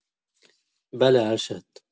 بله ارشد